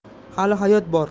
hali hayot bor